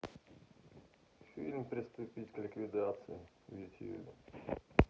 фильм приступить к ликвидации в ютубе